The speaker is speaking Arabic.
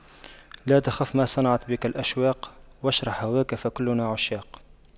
لا تخف ما صنعت بك الأشواق واشرح هواك فكلنا عشاق